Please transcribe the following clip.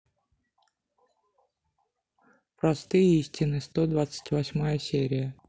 простые истины сто двадцать восьмая серия